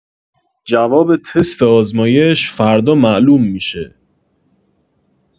جواب تست آزمایش فردا معلوم می‌شه